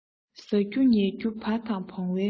ཟ རྒྱུ ཉལ རྒྱུ བ དང བོང བའི ལས